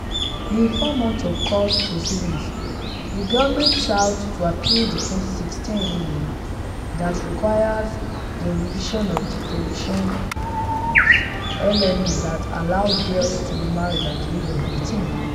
In four months of court proceedings, the government sought to appeal the 2016 ruling that required the revision of the provisions LMA that allowed girls to be married at the age of 15.